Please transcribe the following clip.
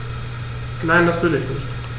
Nein, das will ich nicht.